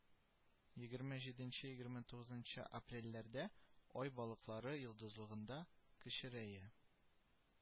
Егерме җиде-егерме тугыз апрельләрдә ай балыклар йолдызлыгында, кечерәя